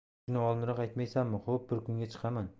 shuni oldinroq aytmaysanmi xo'p bir kunga chiqaman